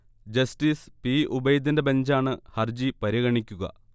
Justice P. ഉബൈദിന്റെ ബഞ്ചാണ് ഹർജി പരിഗണിക്കുക